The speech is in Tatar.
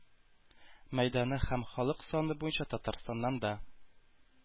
Мәйданы һәм халык саны буенча Татарстаннан да